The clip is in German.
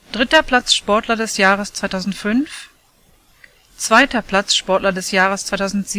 3. Platz Sportler des Jahres 2005 2. Platz Sportler des Jahres 2007